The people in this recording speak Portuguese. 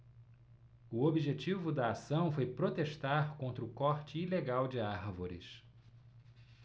o objetivo da ação foi protestar contra o corte ilegal de árvores